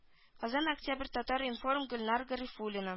Казан октябрь татар-информ гөлнар гарифуллина